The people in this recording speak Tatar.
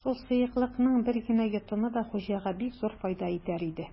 Шул сыеклыкның бер генә йотымы да хуҗага бик зур файда итәр иде.